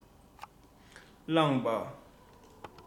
རླངས པ